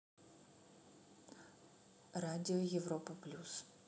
радио европа плюс